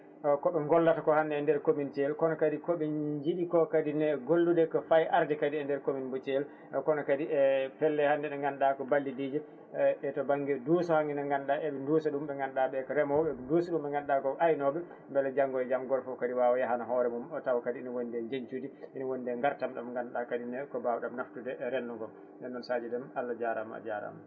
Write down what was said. o koɓe gollata ko henna e nder commune Thiel kono kadi komin jiiɗi ko kadi ne gollude ko fayi arde kadi e nder commune mo Thiel kono kadi e pelle hande ɗe ganduɗa ko ballidiɗee to banggue duusague nde ganduɗa en duusa ɗum ɓe ganduɗa ɓe ko remoɓe eɓe duusa ɓe ganduɗa ko aynoɓe beele janggo e jaam goto foof kadi wawa yahana hoore mum tawa kadi ene wonde jencudi ine wonde gartam ɗam ganduɗa kadi ne ko bawɗam naftude rendogo nden noon Sadio Déme Allah jarama a jarama